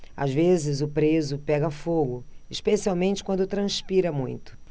às vezes o preso pega fogo especialmente quando transpira muito